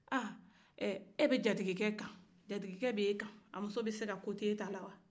aa ɛɛ e bɛ jatigikɛ kan jatigikɛ bɛ e kan a muso bɛ se ka ko to e ta la wa